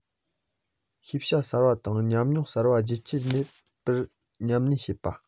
ཤེས བྱ གསར པ དང ཉམས མྱོང གསར པ རྒྱུན ཆད མེད པར ཉམས ལེན བྱེད པ